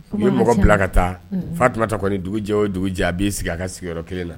U ye mɔgɔ bila ka taa, Fatumata kɔni dugu jɛ o dugu jɛ, a b'i sigi a ka sigiyɔrɔ kelen na.